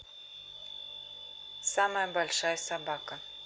самая большая собака